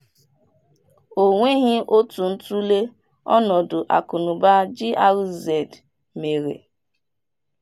O nweghị otu ntule ọnọdụ akụnaụba GRZ mere!